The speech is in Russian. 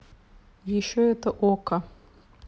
еще это okko